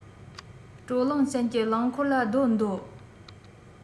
དྲོད རླངས ཅན གྱི རླངས འཁོར ལ སྡོད འདོད